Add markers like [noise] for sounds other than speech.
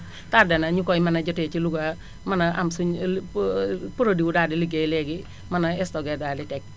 [inhales] tardé na ñu koy mën a jotee ci Louga mën a am suñ [hesitation] produit daal di ligéey léegi mën a stocké daal di teg